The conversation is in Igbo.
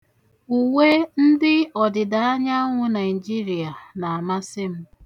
Uwe ndị ọdịdaanyanwụ Naịjirịa na-amasị m.